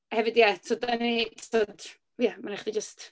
A hefyd, ie, tibod, dan ni, tibod... ma' raid chdi jyst...